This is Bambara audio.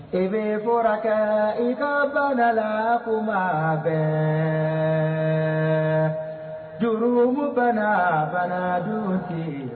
I bɛɔr kɛ i ka bana la kun maa fɛ duuruumubana banadontigi